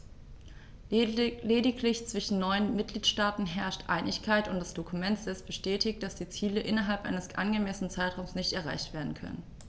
Lediglich zwischen neun Mitgliedsstaaten herrscht Einigkeit, und das Dokument selbst bestätigt, dass die Ziele innerhalb eines angemessenen Zeitraums nicht erreicht werden können.